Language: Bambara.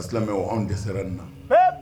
An silamɛmɛ anw dɛsɛ nin na